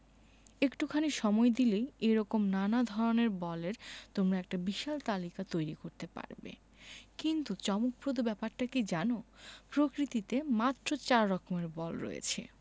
একটুখানি সময় দিলেই এ রকম নানা ধরনের বলের তোমরা একটা বিশাল তালিকা তৈরি করতে পারবে কিন্তু চমকপ্রদ ব্যাপারটি কী জানো প্রকৃতিতে মাত্র চার রকমের বল রয়েছে